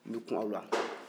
n bɛ kun aw la